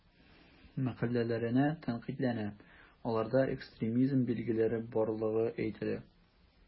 Мәкаләләре тәнкыйтьләнә, аларда экстремизм билгеләре барлыгы әйтелә.